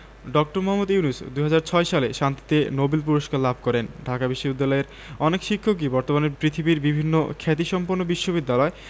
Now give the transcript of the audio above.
ড. মোহাম্মদ ইউনুস ২০০৬ সালে শান্তিতে নোবেল পূরস্কার লাভ করেন ঢাকা বিশ্ববিদ্যালয়ের অনেক শিক্ষকই বর্তমানে পৃথিবীর বিভিন্ন খ্যাতিসম্পন্ন বিশ্ববিদ্যালয়